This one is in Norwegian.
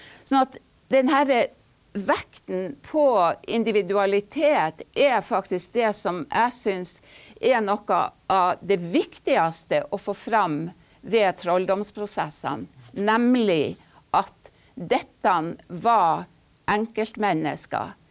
sånn at den herre vekten på individualitet er faktisk det som jeg syns er noe av det viktigste å få fram ved trolldomsprosessene, nemlig at dette var enkeltmennesker.